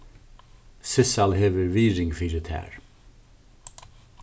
sissal hevur virðing fyri tær